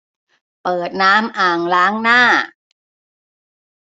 เปิดน้ำอ่างล้างหน้า